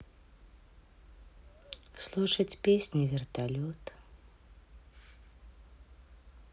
слушать песню вертолет